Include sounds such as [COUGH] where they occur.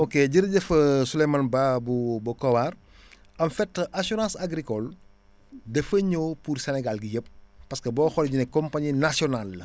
ok jërëjëf [HESITATION] Souleymane Ba bu bu Kowar [BREATH] en fait assurance agricole dafa ñëw pour Sénégal gi yëpp parce que booy xool ñu ne compagnie nationale :frala